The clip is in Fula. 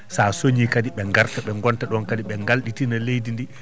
so a soñii kadi ɓe ngarta ɓe ngonta ɗon kadi ɓe galɗitina leydi ndi